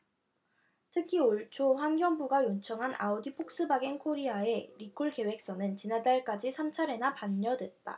특히 올초 환경부가 요청한 아우디폭스바겐코리아의 리콜 계획서는 지난달까지 삼 차례나 반려됐다